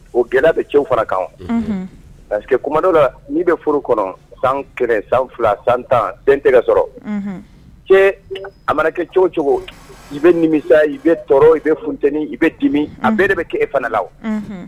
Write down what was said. O gɛlɛya bɛ cɛw fara kan parceri que kumadɔ la n'i bɛ furu kɔnɔ san san fila san tan den tɛ sɔrɔ cɛ a mana kɛ cogo cogo i bɛ nimisa i bɛ tɔɔrɔ i bɛ funteni i bɛ dimi a bɛɛ de bɛ kɛ e fana la